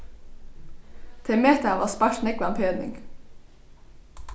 tey meta at hava spart nógvan pening